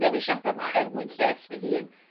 ...dewisiada' 'ma er mwyn lles fy hun.